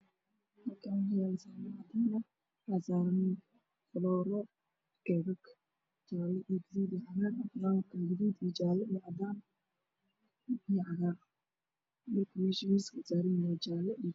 Meshaan waxaa yaalo sacan cadaan ah waxaa saaran koobab